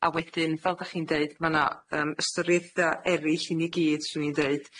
A wedyn fel dach chi'n deud, ma' 'na yym ystyriaetha' erill i ni gyd swn i'n deud